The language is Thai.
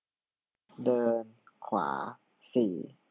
เดินขวาสี่